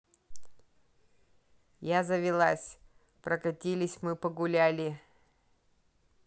я завелась прокатись мы погуляли